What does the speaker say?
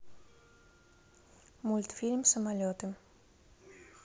мультфильм самолеты